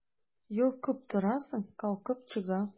Йолкып торасың, калкып чыга...